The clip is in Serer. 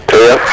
iyo